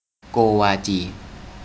โกวาจี